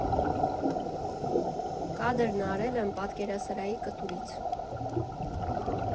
Կադրն արել եմ Պատկերասրահի կտուրից։